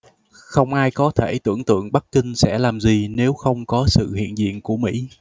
không ai có thể tưởng tượng bắc kinh sẽ làm gì nếu không có sự hiện diện của mỹ